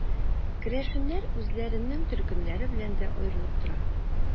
Керәшеннәр үзләренең төркемнәре белән дә аерылып тора.